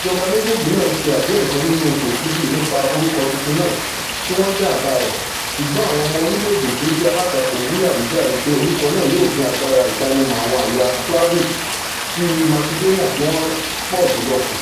Àwọn ìjọba méjèèjì náà ṣe àdéhùn kan nínú oṣù Òkúdu nípa orúkọ tuntun náà tí wọn dá àbá rẹ̀, ṣùgbọ́n àwọn ọmọ orílẹ̀-èdè tójẹ́ alátakò wí àwíjàre pé orúkọ náà yóò dín agbára ìdánimọ̀ àwọn ẹ̀yà Slavic ti Masidóníà tíwọ́n pọ̀ jùlọ kù.